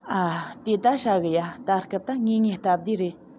ཨ དེ ད ཧྲ གི ཡ ད སྐབས ད ངེས ངེས སྟབས བདེ རེད